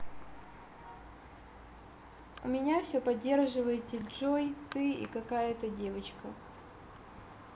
у меня все поддерживаете джой ты и какая то девочка